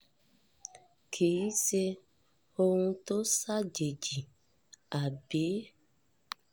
”Kì í ṣe ohun tó ṣàjèjì, àbí?”